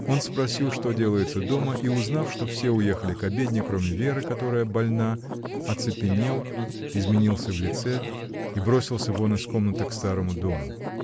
Он спросил, что делается дома, и узнав, что все уехали к обедне, кроме Веры, которая больна, оцепенел, изменился в лице и бросился вон из комнаты к старому дому.